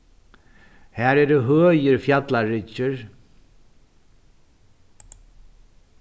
har eru høgir fjallaryggir